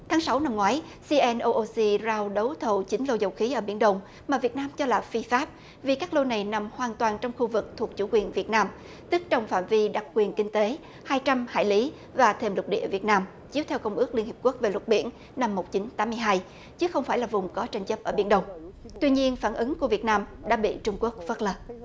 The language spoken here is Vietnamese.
tháng sáu năm ngoái xi en âu âu xi rao đấu thầu chín lô dầu khí ở biển đông mà việt nam cho là phi pháp vì các lô này nằm hoàn toàn trong khu vực thuộc chủ quyền việt nam tức trong phạm vi đặc quyền kinh tế hai trăm hải lý và thềm lục địa việt nam chiếu theo công ước liên hiệp quốc về luật biển năm một chín tám mươi hai chứ không phải là vùng có tranh chấp ở biển đông tuy nhiên phản ứng của việt nam đã bị trung quốc phớt lờ